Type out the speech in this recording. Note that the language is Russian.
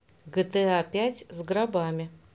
гта пять с гробами